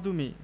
তার ভাবান্তর হলো না